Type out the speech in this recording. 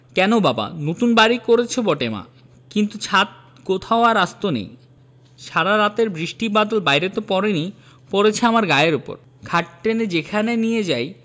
কেন বাবা নতুন বাড়ি করেচ বটে মা কিন্তু ছাত কোথাও আর আস্ত নেই সারা রাতের বৃষ্টি বাদল বাইরে ত পড়েনি পড়েচে আমার গায়ের উপর খাট টেনে যেখানে নিয়ে যাই